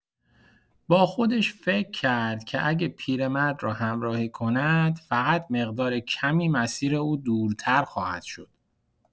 با خودش فکر کرد که اگر پیرمرد را همراهی کند، فقط مقدار کمی مسیر او دورتر خواهد شد.